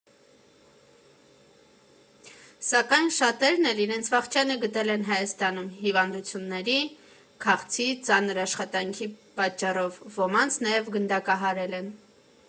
Սակայն շատերն էլ իրենց վախճանը գտել են Հայաստանում՝ հիվանդությունների, քաղցի, ծանր աշխատանքի պատճառով (ոմանց նաև գնդակահարել են)։